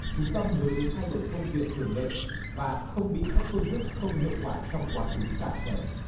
chú tâm hướng đến thay đổi công việc thường lệ và không bị các phương thức không hiệu quả trong quá khứ cản trở